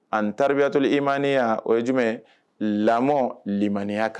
Ani taribiyatɔli i manani yan o ye jumɛn lamɔ limaniya kan